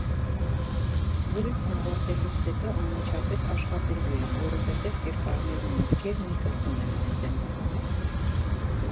Զրույցն ավարտելուց հետո անմիջապես աշխատելու է, որովհետև կերպարներն ու մտքերն իր գլխում են արդեն։